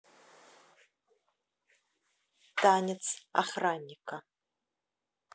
танец охранника